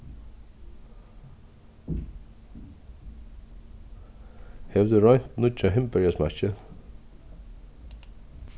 hevur tú roynt nýggja hindberjasmakkin